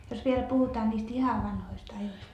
jos vielä puhutaan niistä ihan vanhoista ajoista